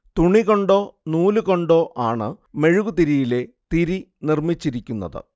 തുണി കൊണ്ടോ നൂലുകൊണ്ടോ ആണ് മെഴുകുതിരിയിലെ തിരി നിർമ്മിച്ചിരിക്കുന്നത്